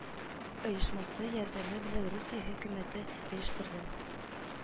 Оешмасы ярдәме белән русия хөкүмәте оештырды